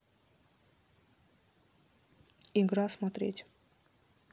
игра смотреть